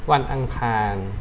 วันอังคาร